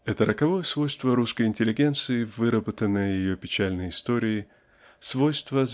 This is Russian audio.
Это роковое свойство русской интеллигенции выработанное ее печальной историей свойство